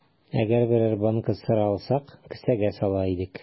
Әгәр берәр банка сыра алсак, кесәгә сала идек.